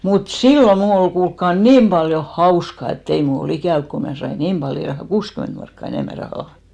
mutta silloin minun oli kuulkaa niin paljon hauska että ei minulla ollut ikävä kun minä sain niin paljon ihan kuusikymmentä markkaa enemmän rahaa